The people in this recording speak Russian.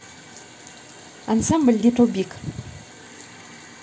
ансамбль little big